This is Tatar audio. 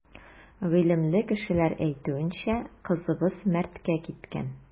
Гыйлемле кешеләр әйтүенчә, кызыбыз мәрткә киткән.